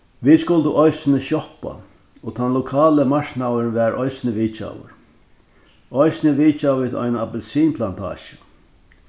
vit skuldu eisini sjoppa og tann lokali marknaðurin varð eisini vitjaður eisini vitjaðu vit eina appilsinplantasju